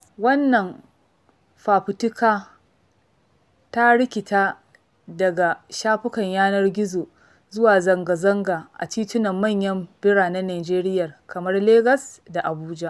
Wannan fafutuka ta rikiɗe daga kan shafukan yanar gizo zuwa zanga-zanga a titinan manyan biranen Nijeriya kamar Legas da Abuja.